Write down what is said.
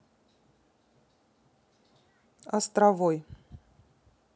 островой